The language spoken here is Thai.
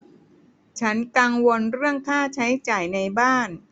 ฉันกังวลเรื่องค่าใช้จ่ายในบ้าน